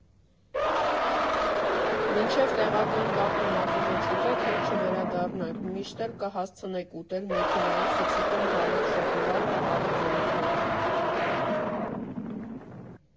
Մինչև տեղական կաթն ու մածունը չուտեք, հետ չվերադառնաք, միշտ էլ կհասցնեք ուտել մեքենայի խցիկում հալած շոկոլադն ու աղի ձողիկները։